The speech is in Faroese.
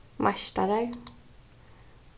meistarar